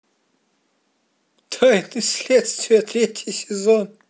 тайны следствия третий сезон